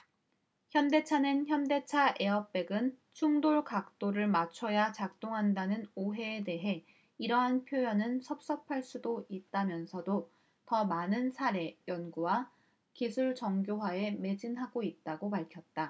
현대차는 현대차 에어백은 충돌 각도를 맞춰야 작동한다는 오해에 대해 이러한 표현은 섭섭할 수도 있다면서도 더 많은 사례 연구와 기술 정교화에 매진하고 있다고 밝혔다